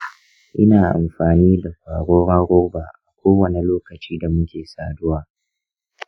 ina amfani da kwaroron roba a kowane lokaci da muke saduwa.